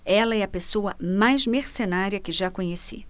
ela é a pessoa mais mercenária que já conheci